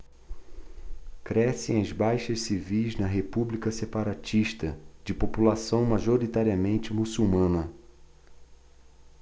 crescem as baixas civis na república separatista de população majoritariamente muçulmana